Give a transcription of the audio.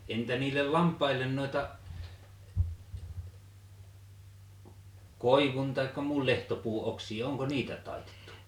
entä niille lampaille noita koivun tai muun lehtopuun oksia onko niitä taitettu